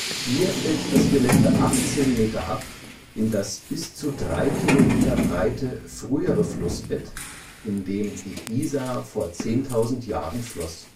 Hier fällt das Gelände 18 Meter ab in das bis zu drei Kilometer breite frühere Flussbett, in dem die Isar vor 10.000 Jahren floss